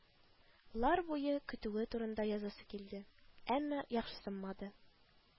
Лар буе көтүе турында язасы килде, әмма яхшысынмады